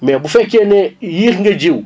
mais bu fekkee ne yéex nga jiw